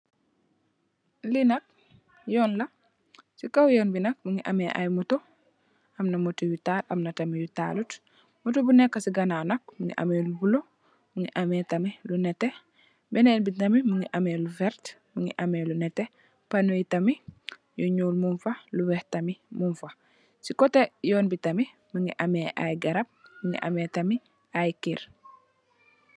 Li nak yoon la, ci kaw yoon bi nak mungi ameh ay moto. Amna moto yu taal amna moto yu talut moto bu nekk ci ganaaw nak mungi ameh lu bulo, mungi ameh tamit lu nètè. Benen bi tamit mungi ameh lu vert, mungi ameh lu nètè Pano yi tamit lu ñuul mung fa, lu weeh tamit mung fa. Ci kotè yoon bi tamit mungi ameh ay garab mungi ameh tamit ay kër.